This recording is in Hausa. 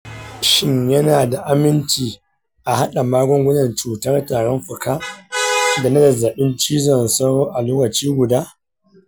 shin yana da aminci a haɗa magungunan cutar tarin fuka da na zazzabin cizon sauro a lokaci guda?